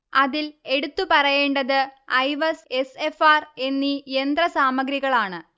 അതിൽ എടുത്തു പറയേണ്ടത് ഐവസ്, എഫ്. എസ്. ആർ എന്നീ യന്ത്ര സാമഗ്രികളാണ്